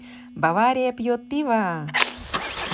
бавария пьет пиво